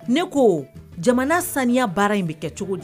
Ne ko jamana saniya baara in bɛ kɛ cogo di